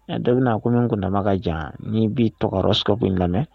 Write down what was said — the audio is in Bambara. n'i bɛ to ka horoscope in lamɛn